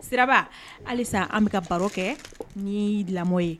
Sira halisa an bɛ ka baro kɛ ni lamɔ ye